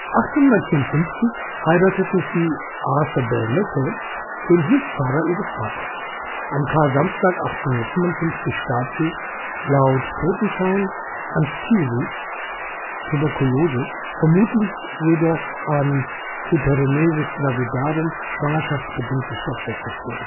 1854 heiratete sie Arthur Bell Nicholls, den Hilfspfarrer ihres Vaters. Am Karsamstag 1855 starb sie - laut Totenschein an Phthisis (Tuberkulose) - vermutlich jedoch an Hyperemesis gravidarum (schwangerschaftsbedingte Stoffwechselstörung